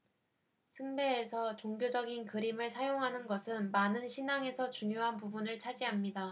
숭배에서 종교적인 그림을 사용하는 것은 많은 신앙에서 중요한 부분을 차지합니다